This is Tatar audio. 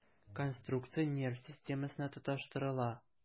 Конструкция нерв системасына тоташтырыла.